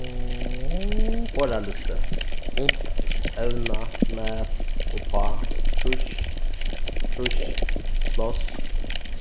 orðalisti ungt evna math uppá trýst trýss pláss